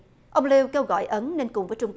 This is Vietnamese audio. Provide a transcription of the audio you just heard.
ông liu kêu gọi ấn nên cùng với trung